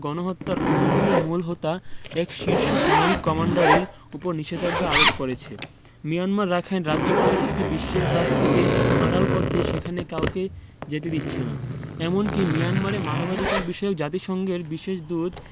গণহত্যার অন্যতম মূল হোতা এক শীর্ষ সামরিক কমান্ডারের ওপর নিষেধাজ্ঞা আরোপ করেছে মিয়ানমার রাখাইন রাজ্য পরিস্থিতি বিশ্বের কাছ থেকে আড়াল করতে সেখানে কাউকে যেতে দিচ্ছে না এমনকি মিয়ানমারে মানবাধিকারবিষয়ক জাতিসংঘের বিশেষ দূত